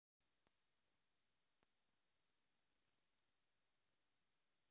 мультфильм черепашки ниндзя советский